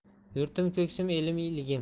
yurtim ko'ksim elim iligim